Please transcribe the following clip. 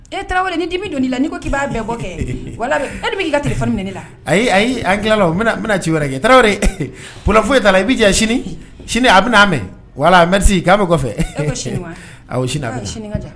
E tarawele n ni'mi don' la n' ko'i b'a bɛn bɔ kɛ wala e k' ka tilerin ni ne la ayi ayi y' an tilala n bɛna ci wɛrɛ kɛ tarawele p foyi ye ta la i bɛ sini sini a bɛ'a mɛn walameri k'an bɛ kɔfɛ